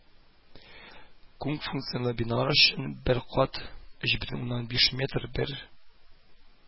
Күпфункцияле биналар өчен бер кат өч бөтен уннан биш метр бер